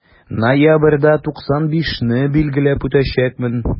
Ноябрьдә 95 не билгеләп үтәчәкмен.